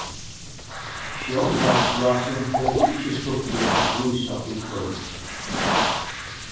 sjónvarpsrásin hevur einki stuttligt at vísa í kvøld